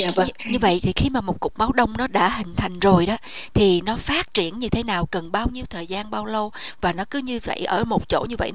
như vậy thì khi mà một cục máu đông nó đã hình thành rồi đó thì nó phát triển như thế nào cần bao nhiêu thời gian bao lâu và nó cứ như vậy ở một chỗ như vậy